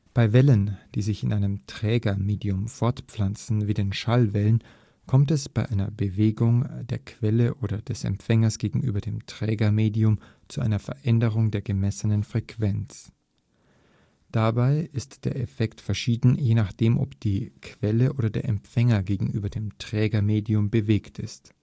Bei Wellen, die sich in einem Trägermedium fortpflanzen, wie den Schallwellen, kommt es bei einer Bewegung der Quelle oder des Empfängers gegenüber dem Trägermedium zu einer Veränderung der gemessenen Frequenz. Dabei ist der Effekt verschieden, je nachdem, ob die Quelle oder der Empfänger gegenüber dem Trägermedium bewegt ist